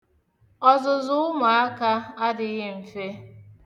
Ọzụzụ ụmụaka adịghị mfe.